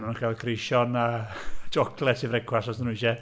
Maen nhw'n cael creision a siocled i frecwast os ydyn nhw eisiau.